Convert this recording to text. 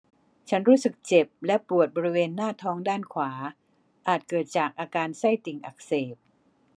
ฉันรู้สึกเจ็บและปวดบริเวณหน้าท้องด้านขวาอาจเกิดจากอาการไส้ติ่งอักเสบ